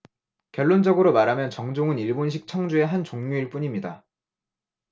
결론적으로 말하면 정종은 일본식 청주의 한 종류일 뿐입니다